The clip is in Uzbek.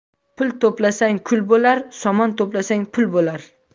pul to'plasang kul bo'lar somon to'plasang pul bo'lar